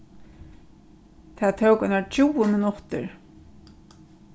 tað tók einar tjúgu minuttir